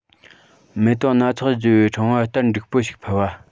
མེ ཏོག སྣ ཚོགས བརྒྱུས པའི ཕྲེང བ སྟར འགྲིག པོ ཞིག ཕུལ བ